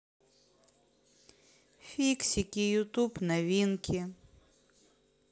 фиксики ютуб новинки